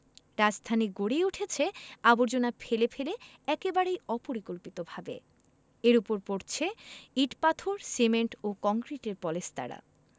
রাজধানী গড়েই উঠেছে আবর্জনা ফেলে ফেলে একেবারেই অপরিকল্পিতভাবে এর ওপর পড়ছে ইট পাথর সিমেন্ট ও কংক্রিটের পলেস্তারা